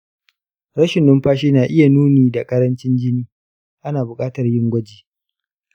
rashin numfashi na iya nuni da ƙarancin jini; ana buƙatar yin gwaji.